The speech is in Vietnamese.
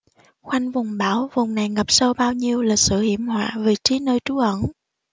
khoanh vùng bão vùng này ngập sâu bao nhiêu lịch sử hiểm họa vị trí nơi trú ẩn